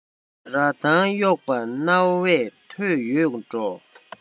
ར ཐང གཡོགས པ རྣ བས ཐོས ཡོད འགྲོ